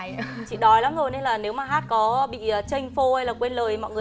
chị đói lắm rồi nên là nếu mà hát có bị chênh phô hay là quên lời thì mọi người